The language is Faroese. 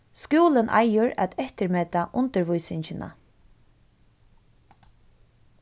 skúlin eigur at eftirmeta undirvísingina